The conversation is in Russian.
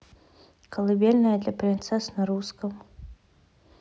колыбельная для принцесс на русском